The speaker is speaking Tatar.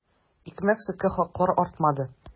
Икмәк-сөткә хаклар артмады.